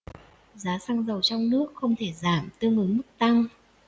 giá xăng dầu trong nước không thể giảm tương ứng mức tăng